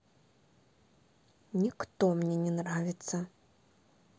никто мне не нравится